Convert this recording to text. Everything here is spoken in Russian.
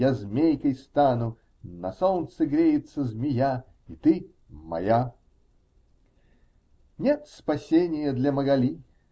Я змейкой стану: на солнце греется змея, -- и ты моя". Нет спасения для Магали.